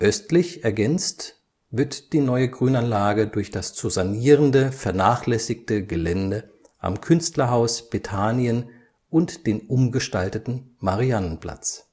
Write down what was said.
Südöstlich ergänzt wird die neue Grünanlage durch das zu sanierende vernachlässigte Gelände am Künstlerhaus Bethanien und den umgestalteten Mariannenplatz